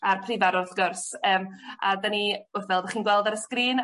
a'r Prifardd wrth gwrs yym a 'da ni wrth- fel 'da chi'n gweld ar y sgrîn a